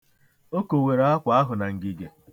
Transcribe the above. O kowere akwa ahụ na ngige.